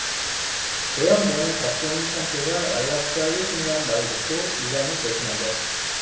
대형견에 잡종인 참깨가 안락사 일 순위라는 말을 듣고 입양을 결심한 것